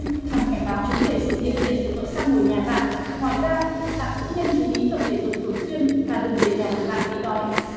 nhằm cảnh báo chúng về sự hiện diện của thợ săn mồi nhà bạn ngoài ra bạn cũng nên chú ý tập thể dục thường xuyên và đừng để mèo của bạn bị đói